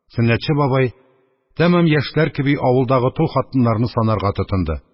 Сөннәтче бабай, тәмам яшьләр кеби, авылдагы тол хатыннарны санарга тотынды.